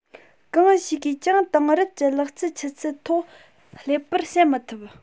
གང ཞིག གིས ཀྱང དེང རབས ཀྱི ལག རྩལ ཆུ ཚད ཐོག སླེབས པར བྱེད མི ཐུབ